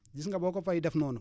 gis nga boo ko fay def noonu